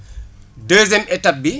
deuxième étape bi